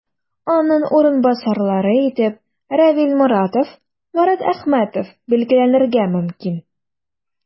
Аның урынбасарлары итеп Равил Моратов, Марат Әхмәтов билгеләнергә мөмкин.